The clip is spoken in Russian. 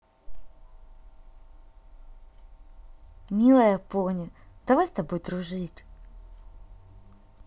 милая пони давай с тобой дружить